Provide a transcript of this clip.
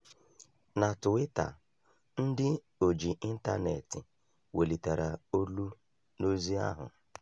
Na Twitter, ndị oji intaneetị welitere olu n'ozi ahụ.